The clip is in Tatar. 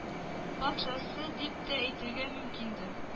Патшасы дип тә әйтергә мөмкиндер